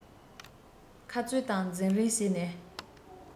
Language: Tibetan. ཁ རྩོད དང འཛིང རེས བྱེད ནས